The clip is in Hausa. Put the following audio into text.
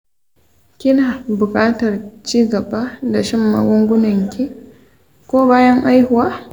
kina buƙatar ci gaba da shan magungunanki ko bayan haihuwa.